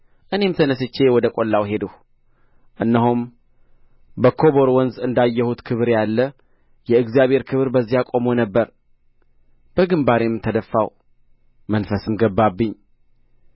እኔም ተነሥቼ ወደ ቈላው ሄድሁ እነሆም በኮቦር ወንዝ እንዳየሁት ክብር ያለ የእግዚአብሔር ክብር በዚያ ቆሞ ነበር በግምባሬም ተደፋሁ መንፈስም ገባብኝ